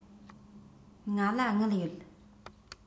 ང ལ དངུལ ཡོད